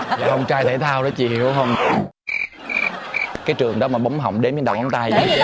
dạ con trai thể thao nó chịu hông cái trường đó mà bóng hồng đếm với đầu ngón tay